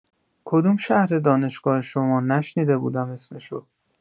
کدوم شهره دانشگاه شما نشنیده بودم اسمشو